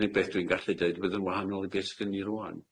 Yr unig beth dwi'n gallu deud, fydd yn wahanol i beth s'gen ni rŵan.